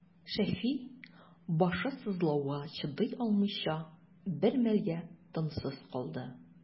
Шәфи, башы сызлауга чыдый алмыйча, бер мәлгә тынсыз калды.